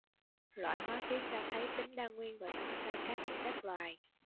loại hóa thuyết cho thấy tính đa nguyên và tính sai khác của các loài